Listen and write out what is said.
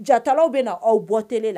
Jataw bɛ na aw bɔ kelen